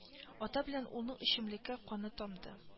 Ата белән улның эчемлеккә каны тамды